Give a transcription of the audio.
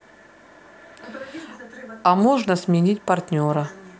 а можно сменить партнера